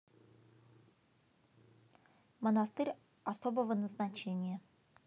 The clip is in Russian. монастырь особого назначения